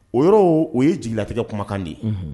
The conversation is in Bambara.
O yɔrɔ o ye jigilatigɛ kumakan de ye